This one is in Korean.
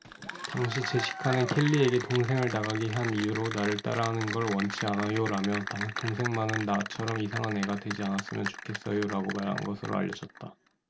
당시 제시카는 켈리에게 동생을 나가게 한 이유로 나를 따라 하는 걸 원치 않아요라며 동생만은 나처럼 이상한 애가 되지 않았으면 좋겠어요라고 말한 것으로 알려졌다